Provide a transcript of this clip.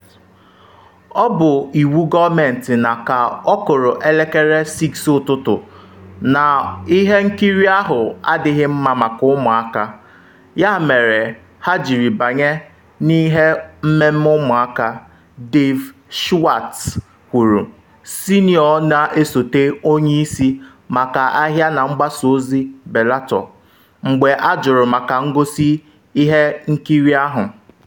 “Ọ bụ iwu gọọmentị na ka ọ kụrụ elekere 6 ụtụtụ na ihe nkiri ahụ adịghị mma maka ụmụaka, ya mere ha jiri banye n’ihe mmemme ụmụaka,” Dave Schwartz kwuru, senịọ na-esote onye isi maka ahịa na mgbasa ozi Bellator, mgbe ajụrụ maka ngosi ihe nkiri ahụ.